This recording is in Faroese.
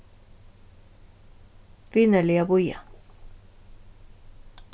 vinarliga bíða